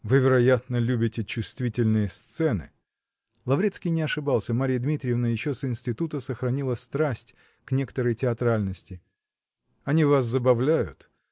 -- Вы, вероятно, любите чувствительные сцены (Лаврецкий не ошибался: Марья Дмитриевна еще с института сохранила страсть к некоторой театральности) они вас забавляют